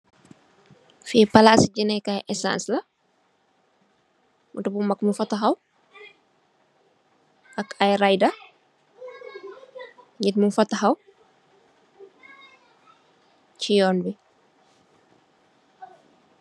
Fi palasu njende kai essance la, motor bu mag munfa tahaw, ak ai rider, nit mungfa tahaw si yonbi.